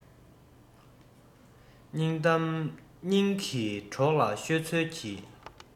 སྙིང གཏམ སྙིང གི གྲོགས ལ ཤོད ཚོད གྱིས